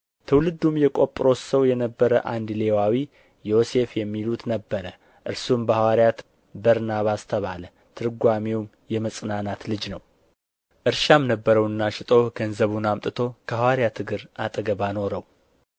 ትውልዱም የቆጵሮስ ሰው የነበረ አንድ ሌዋዊ ዮሴፍ የሚሉት ነበረ እርሱም በሐዋርያት በርናባስ ተባለ ትርጓሜውም የመጽናናት ልጅ ነው እርሻም ነበረውና ሽጦ ገንዘቡን አምጥቶ ከሐዋርያት እግር አጠገብ አኖረው